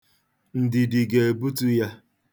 Ndidi ga-ebutu ya.